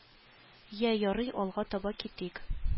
Йә ярый алга таба китик